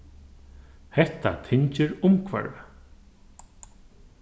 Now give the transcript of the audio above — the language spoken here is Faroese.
hetta tyngir umhvørvið